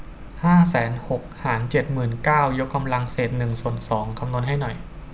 ห้าแสนหกหารเจ็ดหมื่นเก้ายกกำลังเศษหนึ่งส่วนสองคำนวณให้หน่อย